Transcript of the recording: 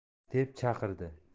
deb chaqirdi